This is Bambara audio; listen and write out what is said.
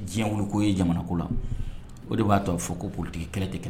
Diɲɛ wili ko ye jamana ko la, o de b'a to ka fɔ ko politique kɛlɛ tɛ kɛlɛ